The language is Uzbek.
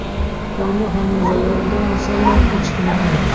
qo'yni ham o'z oyog'idan osarlar echkini ham